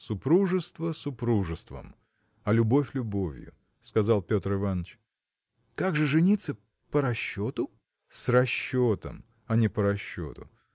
– Супружество супружеством, а любовь любовью, – сказал Петр Иваныч. – Как же жениться. по расчету? – С расчетом, а не по расчету.